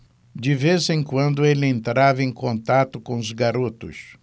de vez em quando ele entrava em contato com os garotos